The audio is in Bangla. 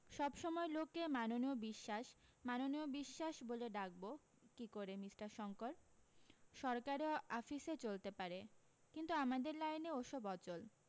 সব সময় লোককে মাননীয় বিশ্বাস মাননীয় বিশ্বাস বলে ডাকবো কী করে মিষ্টার শংকর সরকারী আফিসে চলতে পারে কিন্তু আমাদের লাইনে ওসব অচল